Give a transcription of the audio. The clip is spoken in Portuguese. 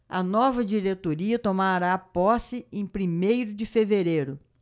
a nova diretoria tomará posse em primeiro de fevereiro